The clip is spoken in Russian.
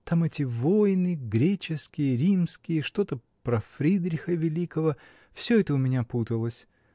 там эти войны, греческие, римские, что-то про Фридриха Великого — всё это у меня путалось.